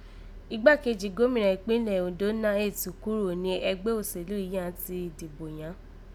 Igbákejì gómìnà ìpínlẹ̀ Oǹdó náà éè tì kúrò ní ẹgbẹ́ òṣèlú yìí àán ti dìbò yàn án.